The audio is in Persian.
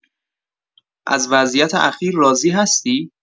از وضعیت اخیر راضی هستی؟